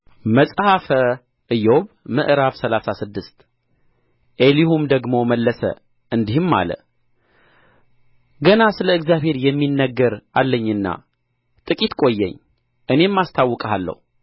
መጽሐፈ ኢዮብ ምዕራፍ ሰላሳ ስድስት ኤሊሁም ደግሞ መለሰ እንዲህም አለ ገና ስለ እግዚአብሔር የሚነገር አለኝና ጥቂት ቆየኝ እኔም አስታውቅሃለሁ